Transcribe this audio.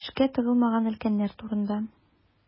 Эшкә тыгылмаган өлкәннәр турында.